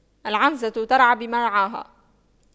العنزة ترعى بمرعاها